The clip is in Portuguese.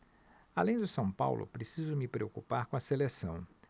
além do são paulo preciso me preocupar com a seleção